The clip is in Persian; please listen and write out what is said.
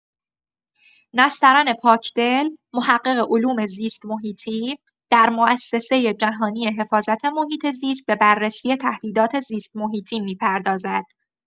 نسترن پاکدل، محقق علوم زیست‌محیطی، در موسسه جهانی حفاظت محیط‌زیست به بررسی تهدیدات زیست‌محیطی می‌پردازد.